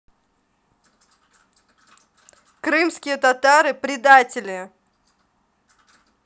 крымские татары предатели